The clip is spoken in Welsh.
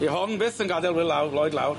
'Di hon byth yn gad'el Wil lawr Lloyd lawr.